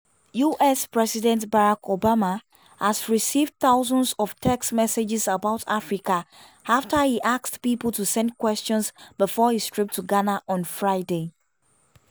US President Barack Obama has received thousands of text messages about Africa after he asked people to send questions before his trip to Ghana on Friday.